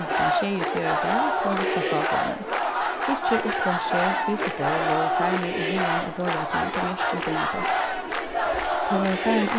fimtan sjeyogfjøruti kom næsta fráboðanin tríggir útlendskir fysikarar vóru farnir í hagan á borðoynni tá mjørkin kom á tey tey vóru farin